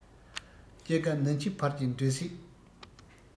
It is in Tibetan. སྐྱེ རྒ ན འཆི བར གྱི འདོད སྲེད